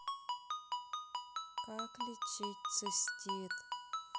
как пролечить цистит